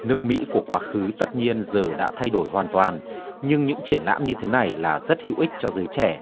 nước mỹ của quá khứ tất nhiên giờ đã thay đổi hoàn toàn nhưng những triển lãm như thế này là rất hữu ích cho giới trẻ